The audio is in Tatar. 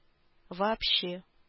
Вообще